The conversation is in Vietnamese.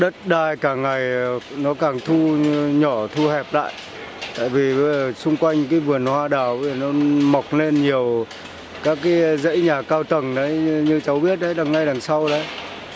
đất đai cả ngày nó càng thu nhỏ thu hẹp lại tại vì bây giờ xung quanh cái vườn hoa đào bây giờ nó mọc lên nhiều các cái dãy nhà cao tầng đấy như cháu biết đấy là ngay đằng sau đấy